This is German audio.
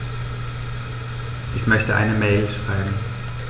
Ich möchte eine Mail schreiben.